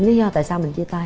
lý do tại sao mình chia tay